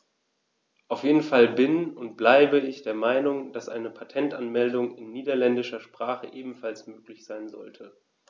Auf jeden Fall bin - und bleibe - ich der Meinung, dass eine Patentanmeldung in niederländischer Sprache ebenfalls möglich sein sollte.